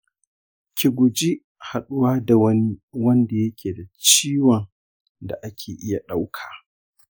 ki guji haɗuwa da wani wanda yake da ciwon da ake iya ɗauka.